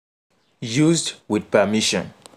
Used with permission.